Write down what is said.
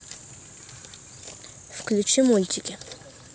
включи мультики